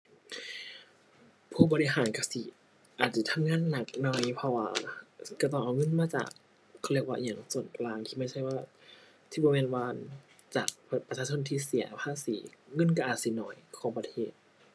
ผู้บริหารก็สิ อาจจิทำงานหนักหน่อยเพราะว่า ก็ต้องเอาเงินมาจาก เขาเรียกว่าอิหยัง ส่วนกลางที่ไม่ใช่ว่าแบบ ที่บ่แม่นว่า อั่น จาก ปะ ประชาชนที่เสียภาษี เงินก็อาจสิน้อยของประเทศ